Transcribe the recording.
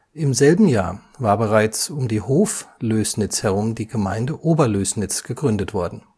Im selben Jahr war bereits um die Hoflößnitz herum die Gemeinde Oberlößnitz gegründet worden